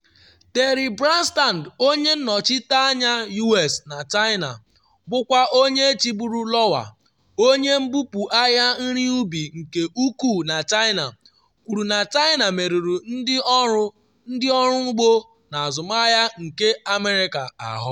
Terry Branstad, onye nnọchite anya U.S na China bụkwa onye chịburu Iowa, onye mbupu ahịa nri ubi nke ukwuu na China, kwuru na China merụrụ ndị ọrụ, ndị ọrụ ugbo na azụmahịa nke America ahụ.